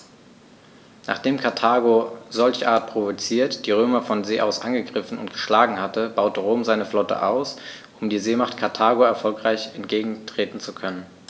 Nachdem Karthago, solcherart provoziert, die Römer von See aus angegriffen und geschlagen hatte, baute Rom seine Flotte aus, um der Seemacht Karthago erfolgreich entgegentreten zu können.